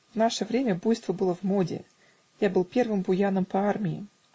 В наше время буйство было в моде: я был первым буяном по армии.